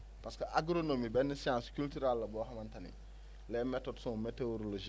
parce que agronomie benn chance culturale la boo xamante ne les méthodes sont météorologiques